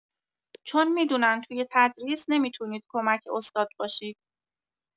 چون می‌دونن توی تدریس نمی‌تونید کمک استاد باشید